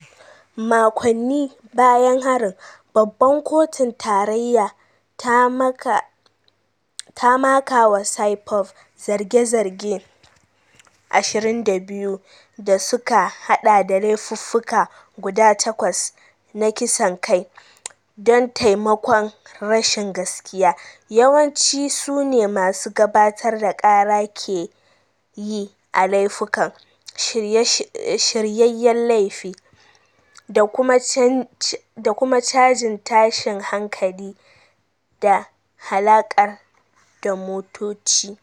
Makonni bayan harin, babban kotun tarayya ta maka wa Saipov zarge-zarge 22 da suka hada da laifuffuka guda takwas na kisan kai don taimakon rashin gaskiya, yawanci sune masu gabatar da kara ke yi a laifukan shiryeyyen laifi, da kuma cajin tashin hankali da halakar da motoci.